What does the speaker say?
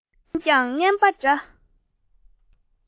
ང ཡིས ཀྱང རྔན པ འདྲ